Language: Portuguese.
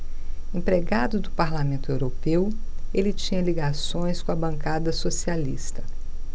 empregado do parlamento europeu ele tinha ligações com a bancada socialista